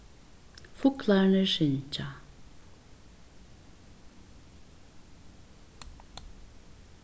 fuglarnir syngja